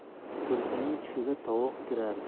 tulkining tushiga tovuq kirar